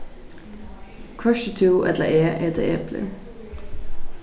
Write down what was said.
hvørki tú ella eg eta eplir